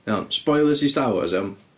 Iawn, spoilers i Star Wars iawn?